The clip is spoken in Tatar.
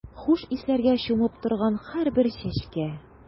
Хуш исләргә чумып торган һәрбер чәчкә.